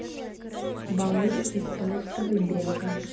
балык из толстого бека